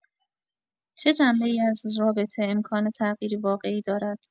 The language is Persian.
چه جنبه‌ای از رابطه امکان تغییری واقعی دارد؟